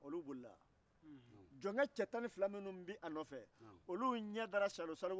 e ba ma i dege finikola i nimɔgɔmuso manana ale de bɛ i dege olula ni i ye bɛrɛ bɛ a ma dɛ